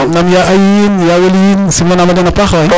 nam Ya Ayou yiin Ya Woly yiin sim nanama dena a pax way